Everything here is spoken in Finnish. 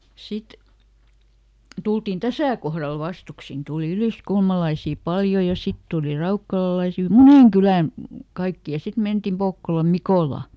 sitten tultiin tässä kohdalla vastuksin tuli yliskulmalaisia paljon ja sitten tuli raukkalalaisia monen kylän kaikki ja sitten mentiin Pokkolan Mikolaan